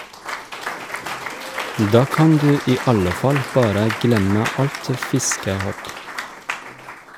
Da kan du i alle fall bare glemme alt fiskehåp.